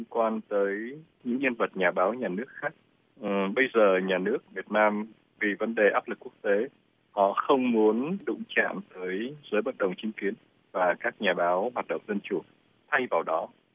quan tới những nhân vật nhà báo nhà nước khác ừ bây giờ nhà nước việt nam vì vấn đề áp lực quốc tế họ không muốn đụng chạm tới giới bất đồng chính kiến và các nhà báo hoạt động dân chủ thay vào đó